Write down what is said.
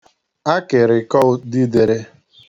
akị̀rị̀kọ ùdidērē